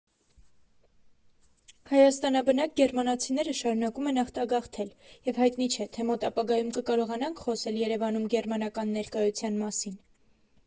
Հայաստանաբնակ գերմանացիները շարունակում են արտագաղթել, և հայտնի չէ, թե մոտ ապագայում կկարողանանք խոսել Երևանում գերմանական ներկայության մասին…